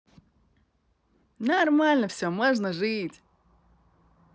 нормально все можно жить